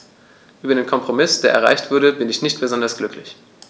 Über den Kompromiss, der erreicht wurde, bin ich nicht besonders glücklich.